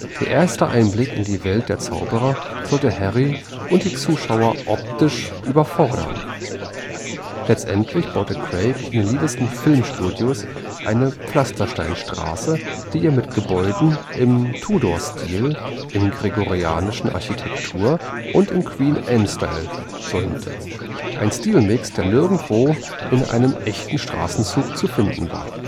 Der erste Einblick in die Welt der Zauberer sollte Harry und die Zuschauer optisch überfordern. Letztlich baute Craig in den Leavesden Film Studios eine Pflastersteinstraße, die er mit Gebäuden im Tudorstil, in Georgianischer Architektur und im Queen Anne Style säumte – ein Stil-Mix, der nirgendwo in einem echten Straßenzug zu finden war